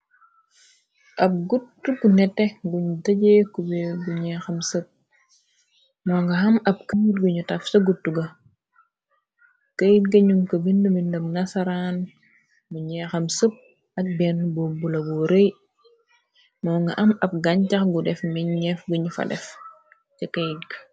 ab guttu gu nete guñu dëjee kube buñuy xam sëpp moo nga am ab këyiit guñu taf ca gutu ga këyt gañum ko bind mi ndëm nasaraan buñuy xam sëpp ak benn bo bulabu rëy moo nga am ab gañcax gu def menñeef guñu fa def ca këy g